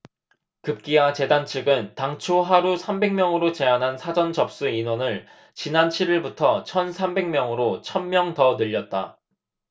급기야 재단 측은 당초 하루 삼백 명으로 제한한 사전 접수 인원을 지난 칠 일부터 천 삼백 명으로 천 명 더 늘렸다